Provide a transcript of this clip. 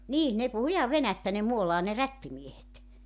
niin ne puhui ihan venäjää ne Muolaan ne rättimiehet